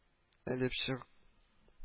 Элеп чык